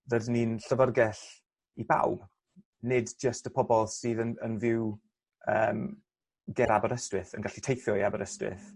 Rydyn ni'n llyfyrgell i bawb nid jyst y pobol sydd yn yn fyw yym ger Aberystwyth yn gallu teithio i Aberystwyth.